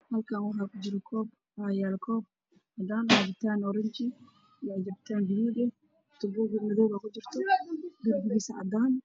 Halkaan waxaa yaalo koob cadaan cabitaan orange iyo cabitaan huruud eh tuubo madaw ah ku jiro jaldigiisa cadaan